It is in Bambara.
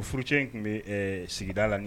Furu cɛ in tun bɛ sigida la